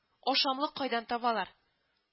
Ашамлык кайдан табалар